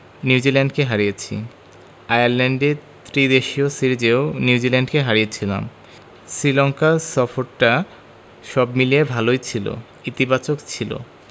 নিউজিল্যান্ডকে হারিয়েছি আয়ারল্যান্ডে ত্রিদেশীয় সিরিজেও নিউজিল্যান্ডকে হারিয়েছিলাম শ্রীলঙ্কা সফরটা সব মিলিয়ে ভালো ছিল ইতিবাচক ছিল